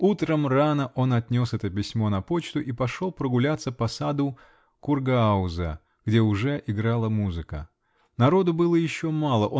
Утром рано он отнес это письмо на почту и пошел прогуляться по саду Кургауза, где уже играла музыка. Народу было еще мало